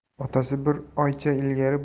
otasi bir oycha ilgari